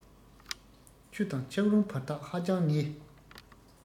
ཆུ དང འཁྱག རོམ བར ཐག ཧ ཅང ཉེ